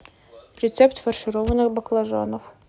рецепт фаршированных баклажанов